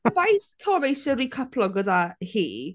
Pe bai Connor isie rîcyplo gyda hi...